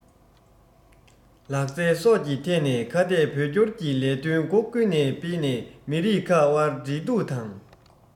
ལག རྩལ སོགས ཀྱི ཐད ནས ཁ གཏད བོད སྐྱོར གྱི ལས དོན སྒོ ཀུན ནས སྤེལ ནས མི རིགས ཁག དབར འབྲེལ གཏུག དང